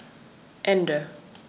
Ende.